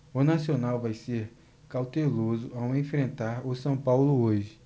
o nacional vai ser cauteloso ao enfrentar o são paulo hoje